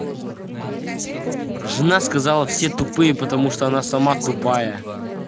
жена сказала все тупые потому что она самая тупая